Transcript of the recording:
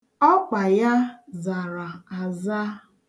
Ọkpa ya zara aza.